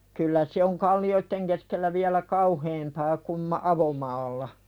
kyllä se on kallioiden keskellä vielä kauheampaa kuin - avomaalla